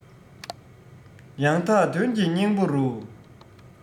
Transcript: ཡང དག དོན གྱི སྙིང པོ རུ